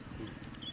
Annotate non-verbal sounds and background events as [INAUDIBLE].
[HESITATION] [HESITATION]